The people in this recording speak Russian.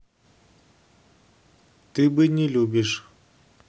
ты бы не любишь